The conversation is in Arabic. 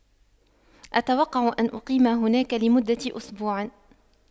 أتوقع أن أقيم هناك لمدة أسبوع